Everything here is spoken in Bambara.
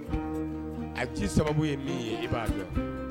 A ye ci sababu ye min ye i b'a dɔn